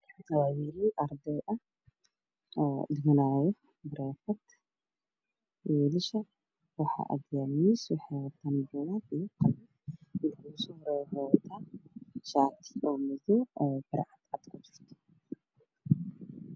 Waa wiilal wax ay baranayaan waxaa ag yaalo miis waxay qabaan shaatiyo caddaan caddeyska buluug daaha ka dambeeyay waa guduud